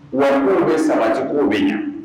Wa ni kow bɛ sabati kow bɛ ɲɛ.